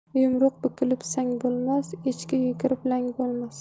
yumruq bukilib sang bo'lmas echki yugurib lang bo'lmas